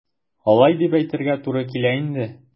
Алай дип әйтергә туры килә инде.